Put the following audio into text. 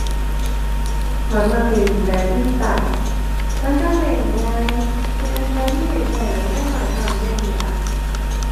ข้อยมักเล่นแบดมินตัน มันจั่งเล่นง่าย เป็นอันเดียวที่เล่นได้ตั้งแต่น้อยเท่าใหญ่นี่ล่ะ